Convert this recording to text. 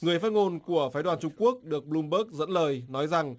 người phát ngôn của phái đoàn trung quốc được bờ lum bớc dẫn lời nói rằng